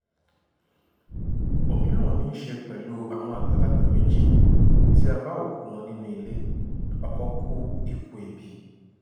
Òmíràn ní í ṣe pẹ̀lú àwọn àgbàlagbà méjì tí a bá òkúu wọn nínú ilé, ọ̀kan kú ikú ebi.